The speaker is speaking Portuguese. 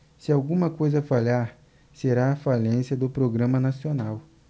se alguma coisa falhar será a falência do programa nacional